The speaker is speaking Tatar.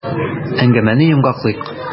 Әңгәмәне йомгаклыйк.